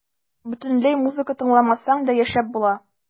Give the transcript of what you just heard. Бөтенләй музыка тыңламасаң да яшәп була.